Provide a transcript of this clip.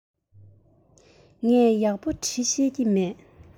ངས ཡག པོ འབྲི ཤེས ཀྱི མེད